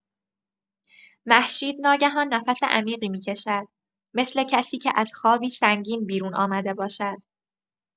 مهشید ناگهان نفس عمیقی می‌کشد، مثل کسی که از خوابی سنگین بیرون آمده باشد.